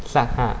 สห